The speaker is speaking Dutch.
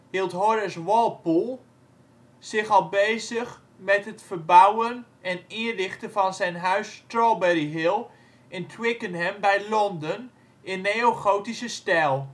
hield Horace Walpole zich al bezig met het verbouwen en inrichten van zijn huis Strawberry Hill in Twickenham bij Londen in neogotische stijl